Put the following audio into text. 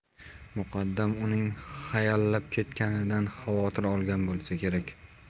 muqaddam uning hayallab ketganidan xavotir olgan bo'lsa kerak